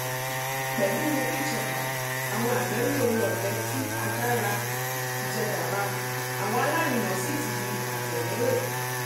Pẹ̀lú eChoupal, àwọn àgbẹ̀ ní oore-ọ̀fẹ́ tí agbára ìjẹgàba àwọn alárinnà sì ti di àtẹ̀mẹ́rẹ̀.